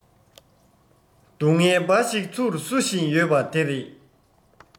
སྡུག བསྔལ འབའ ཞིག ཚུར བསུ བཞིན ཡོད པ དེ རེད